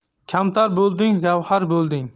kamtar bo'lding gavhar bo'lding